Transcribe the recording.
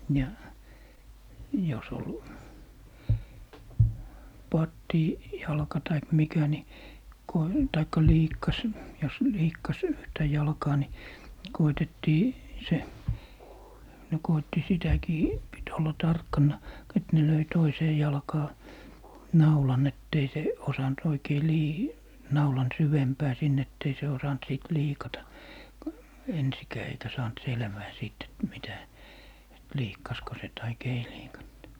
ja jos oli - pattijalka tai mikä niin kun tai liikkasi jos liikkasi yhtä jalkaa niin koetettiin se ne koetti sitäkin piti olla tarkkana - että ne löi toiseen jalkaan naulan että ei se osannut oikein - naulan syvempään sinne että ei se osannut sitten liikata ensinkään eikä saanut selvää siitä että mitä että liikkasiko se tai ei liikannut